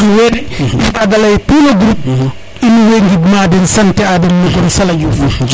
kon wene i mbaga leye tout le groupe in way ngid ma den sante a den no gon Sala Diouf